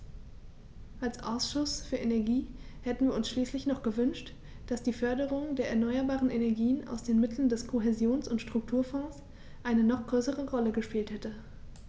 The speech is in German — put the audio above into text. Als Ausschuss für Energie hätten wir uns schließlich noch gewünscht, dass die Förderung der erneuerbaren Energien aus den Mitteln des Kohäsions- und Strukturfonds eine noch größere Rolle gespielt hätte.